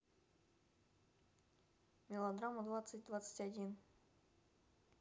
мелодрама двадцать двадцать один